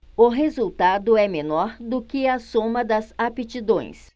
o resultado é menor do que a soma das aptidões